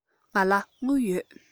ང ལ དངུལ ཡོད